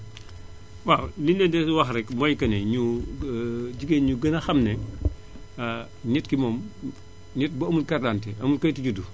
waaw li ñu leen di wax rekk mooy que ni jigéen ñi gën a xam ne nit ki moom nit bu amul carte d' identité amul kayitu juddu